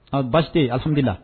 Aa baasi a tun la